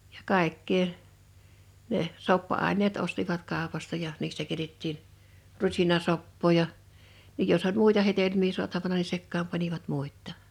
ja kaikkea ne soppa-aineet ostivat kaupasta ja niistä keitettiin rusinasoppaa ja ja jos oli muita hedelmiä saatavana niin sekaan panivat muitakin